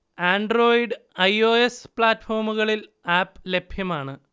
Android I. O. S. പ്ലാറ്റ്ഫോമുകളിൽ ആപ്പ് ലഭ്യമാണ്